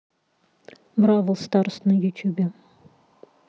бравл старс на ютюбе